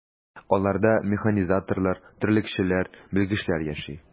Аларда механизаторлар, терлекчеләр, белгечләр яши.